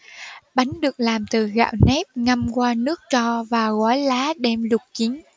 bánh được làm từ gạo nếp ngâm qua nước tro và gói lá đem luộc chín